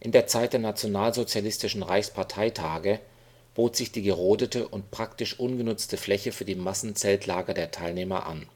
der Zeit der nationalsozialistischen Reichsparteitage bot sich die gerodete und praktisch ungenutzte Fläche für die Massenzeltlager der Teilnehmer an